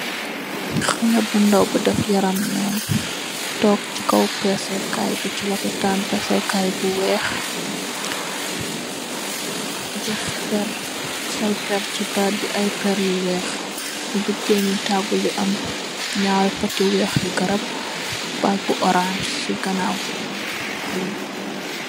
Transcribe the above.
Xaleh bu ndaw bu deff yaramu nen toksikaw pesekai busi lobitan pessekai bu wekh nyu deff perr sol perr si batbi ayy perr yu wekh ubikenu tabule bi am nyari pot yu wekh yu garab bag bu oranc siganaw